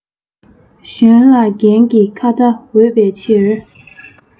གཞོན ལ རྒན གྱིས ཁ བརྡ འོས པའི ཕྱིར